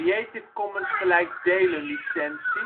52° 1 ' NB, 6°